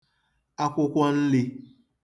akwụkwọ nlī